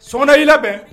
Sɔgɔna y'i labɛn